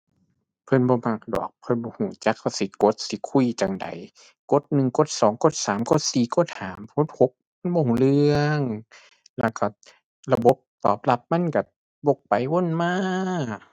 เพิ่นบ่มักดอก เพิ่นบ่รู้จักว่าสิกด สิคุยจั่งใด กดหนึ่ง กดสอง กดสาม กดสี่ กดห้า กดหก มันบ่รู้เรื่อง แล้วรู้ระบบตอบรับมันรู้วกไปวนมา